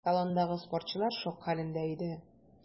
Салондагы спортчылар шок хәлендә иде.